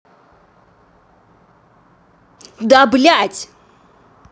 да блядь